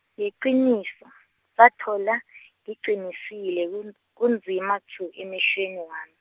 ngeqiniso, sathola , ngiqinisile ku- kunzima tshu emehlweni wami.